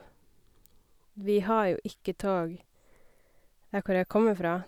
Vi har jo ikke tog der hvor jeg kommer fra.